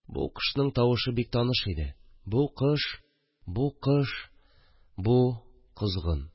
Бу кошның тавышы бик таныш иде. Бу кош... Бу кош... Бу – козгын